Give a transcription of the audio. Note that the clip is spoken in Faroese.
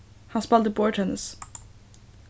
hann spældi borðtennis